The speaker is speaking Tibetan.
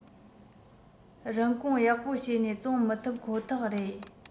རིན གོང ཡག པོ བྱེད ནས བཙོང མི ཐུབ ཁོ ཐག རེད